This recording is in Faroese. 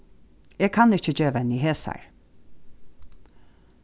eg kann ikki geva henni hesar